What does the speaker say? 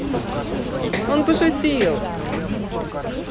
он пошутил